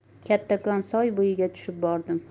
kattakon soy bo'yiga tushib bordim